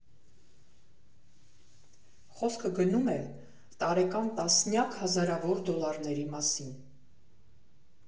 Խոսքը գնում է տարեկան տասնյակ հազարավոր դոլարների մասին։